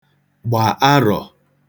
gbà arọ̀